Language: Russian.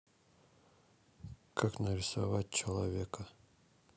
как нарисовать человека